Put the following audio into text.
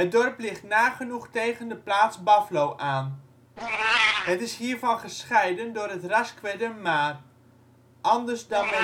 dorp ligt nagenoeg tegen de plaats Baflo aan. Het is hiervan gescheiden door het Rasquerdermaar (anders dan